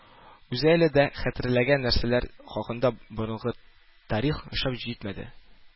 Үзе әле дә хәтерләгән нәрсәләр хакында борынгы тарих ошап җитмәде